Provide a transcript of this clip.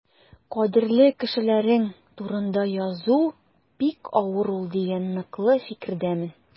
Кадерле кешеләрең турында язу бик авыр ул дигән ныклы фикердәмен.